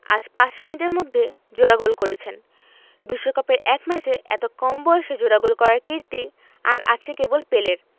আজ ৫ মিনিটের মধ্যে জোড়া গোল করেছেন বিশ্বকাপের এক ম্যাচে এত কম বয়সে জোড়া গোল করার কীর্তি আর আছে কেবল পেলের